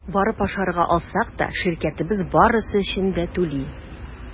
Барып ашарга алсак та – ширкәтебез барысы өчен дә түли.